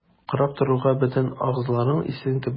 Карап торуга бөтен әгъзалары исән кебек.